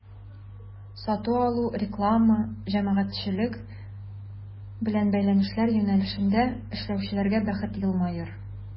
Сату-алу, реклама, җәмәгатьчелек белән бәйләнешләр юнәлешендә эшләүчеләргә бәхет елмаер.